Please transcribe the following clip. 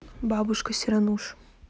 бабушка сирануш